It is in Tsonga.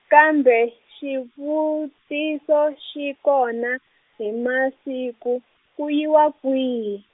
kambe xivutiso xi kona hi masiku ku yiwa kwihi?